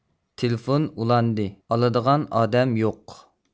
تېلېفون ئۇلاندى ئالىدىغان ئادەم يوق